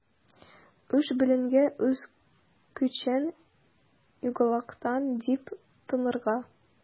3 бүлекне үз көчен югалткан дип танырга.